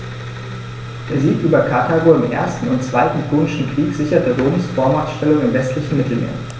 Der Sieg über Karthago im 1. und 2. Punischen Krieg sicherte Roms Vormachtstellung im westlichen Mittelmeer.